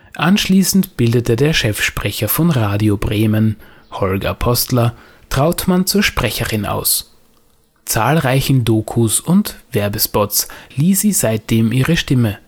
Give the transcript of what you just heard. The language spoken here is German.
Anschließend bildete der Chefsprecher von Radio Bremen, Holger Postler, Trautmann zur Sprecherin aus. Zahlreichen Dokus und Werbespots lieh sie seitdem ihre Stimme